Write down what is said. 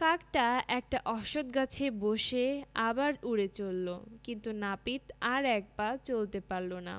কাকটা একটা অশ্বখ গাছে বসে আবার উড়ে চলল কিন্তু নাপিত আর এক পা চলতে পারল না